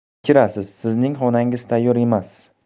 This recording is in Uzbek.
kechirasiz sizning xonangiz tayyor emas